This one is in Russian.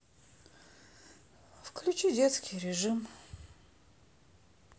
выключи детский режим